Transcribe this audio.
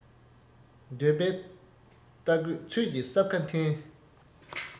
འདོད པའི རྟ རྒོད ཚོད ཀྱི སྲབ ཁ འཐེན